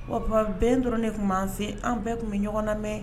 O tuma bɛn dɔrɔn de tun bɛ an fɛ yen, an bɛɛ de tun bɛ ɲɔgɔn lamɛn!.